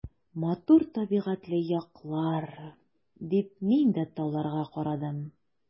Матур табигатьле яклар, — дип мин дә тауларга карадым.